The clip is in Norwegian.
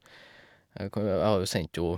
kajoa Jeg har jo sendt ho...